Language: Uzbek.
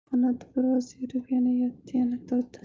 xonada bir oz yurib yana yotdi yana turdi